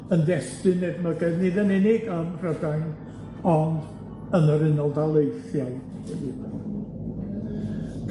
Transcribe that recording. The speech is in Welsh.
yn destun edmygedd nid yn unig ym Mhrydain, ond yn yr Unol Daleithiau hefyd.